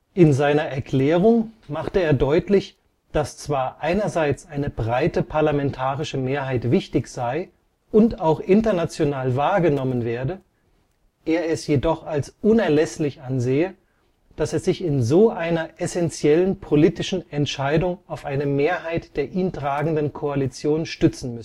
In seiner Erklärung machte er deutlich, dass zwar einerseits eine breite parlamentarische Mehrheit wichtig sei und auch international wahrgenommen werde, er es jedoch als unerlässlich ansehe, dass er sich in einer so essentiellen politischen Entscheidung auf eine Mehrheit der ihn tragenden Koalition stützen